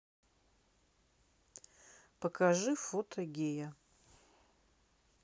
покажи фото гея